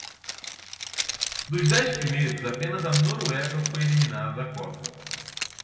dos dez primeiros apenas a noruega foi eliminada da copa